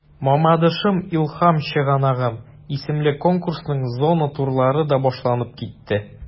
“мамадышым–илһам чыганагым” исемле конкурсның зона турлары да башланып китте.